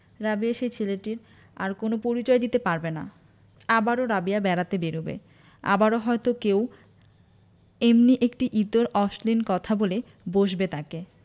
রাবেয়া সেই ছেলেটির আর কোন পরিচয় দিতে পারবে না আবারও রাবেয়া বেড়াতে বেরুবে আবারো হয়তো কেউ এমনি একটি ইতর অশ্লীল কথা বলে বসবে তাকে